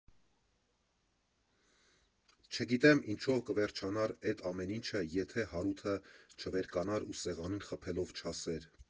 Չգիտեմ ինչով կվերջանար էդ ամեն ինչը, եթե Հարութը չվերկանար ու սեղանին խփելով չասեր.